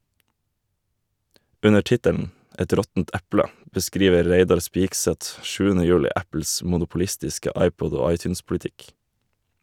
Under tittelen "Et råttent eple" beskriver Reidar Spigseth 7. juli Apples monopolistiske iPod- og iTunes-politikk.